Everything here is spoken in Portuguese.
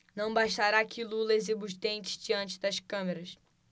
não bastará que lula exiba os dentes diante das câmeras